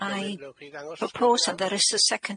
I propose that there is a seconder.